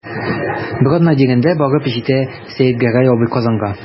Бер атна дигәндә барып җитә Сәетгәрәй абый Казанга.